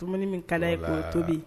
Dumuni min kala ye kɔnɔ tobi